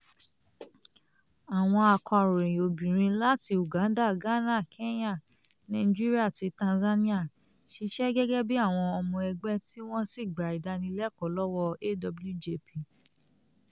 Àwọn akọ̀ròyìn obìnrin láti Uganda, Ghana, Kenya, Nigeria àti Tanzania ṣiṣẹ́ gẹ́gẹ́ bíi àwọn ọmọ ẹgbẹ́ tí wọ́n sì gba ìdánilẹ́kọ̀ọ́ lọ́wọ́ AWJP.